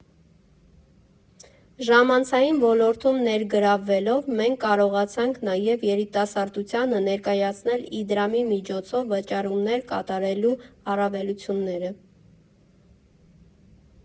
Ժամանցային ոլորտում ներգրավվելով՝ մենք կարողացանք նաև երիտասարդությանը ներկայացնել Իդրամի միջոցով վճարումներ կատարելու առավելությունները։